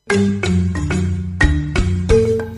Wa